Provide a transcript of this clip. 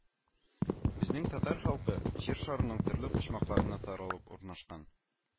Безнең татар халкы Җир шарының төрле почмакларына таралып урнашкан